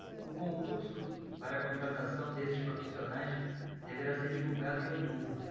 o concurso para contratação desses profissionais deverá ser divulgado em outubro